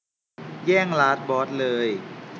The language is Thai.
แย่งลาสบอสเลย